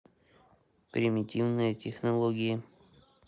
примитивные технологии